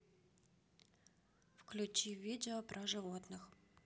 включи видео про животных